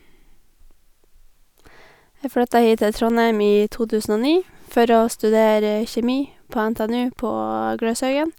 Jeg flytta hit til Trondheim i to tusen og ni for å studere kjemi på NTNU på Gløshaugen.